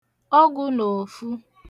ọgū nà òfu